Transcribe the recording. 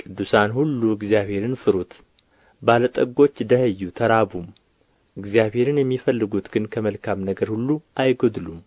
ቅዱሳኑ ሁሉ እግዚአብሔርን ፍሩት ባለጠጎች ደኸዩ ተራቡም እግዚአብሔርን የሚፈልጉትን ግን ከመልካም ነገር ሁሉ አይጐድሉም